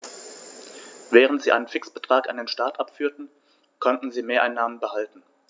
Während sie einen Fixbetrag an den Staat abführten, konnten sie Mehreinnahmen behalten.